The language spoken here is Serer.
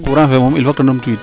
courant fe moom fook te numtu wiid